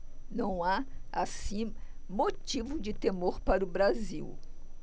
não há assim motivo de temor para o brasil